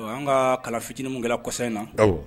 An ka kala fitinin gɛlɛ kɔ kosɛbɛ in na